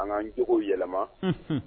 An k'an jogo yɛlɛma.